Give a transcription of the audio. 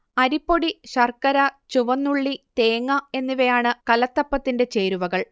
അരിപ്പൊടി ശർക്കര ചുവന്നുള്ളി തേങ്ങ എന്നിവയാണ് കലത്തപ്പത്തിന്റെ ചേരുവകൾ